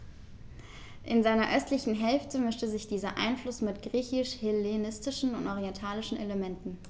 In seiner östlichen Hälfte mischte sich dieser Einfluss mit griechisch-hellenistischen und orientalischen Elementen.